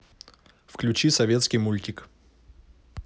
включи советский мультик